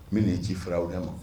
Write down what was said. N bɛ ni ci farawonɛ ma .